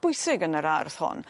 bwysig yn yr ardd hon.